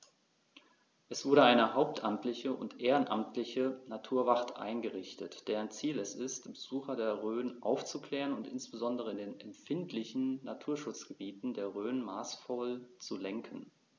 Es wurde eine hauptamtliche und ehrenamtliche Naturwacht eingerichtet, deren Ziel es ist, Besucher der Rhön aufzuklären und insbesondere in den empfindlichen Naturschutzgebieten der Rhön maßvoll zu lenken.